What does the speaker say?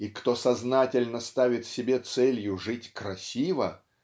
И кто сознательно ставит себе целью жить красиво